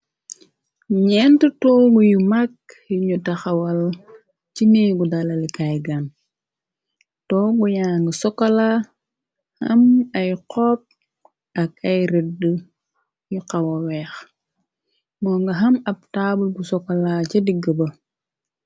Ñenti tóógu yu mak yu ñu taxawal ci néegu dalali kay gan tóógu ya nga sokola am ay xop ak ay rëdd yu xawa wèèx mu nga am ab tabul bu sokala ca diggi ba.